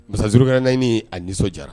Masa zurukaranaani, a nisɔn diyara!